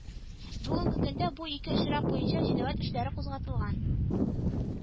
Бүгенге көндә бу ике очрак буенча җинаять эшләре кузгатылган